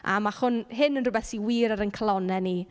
A ma' hwn... hyn yn rhywbeth sydd wir ar ein calonnau ni.